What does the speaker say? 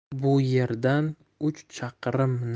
bu yerdan uch chaqirim